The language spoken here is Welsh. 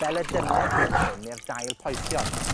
Fel y Dynent 'ma fan hyn, ne'r Dail Poethion.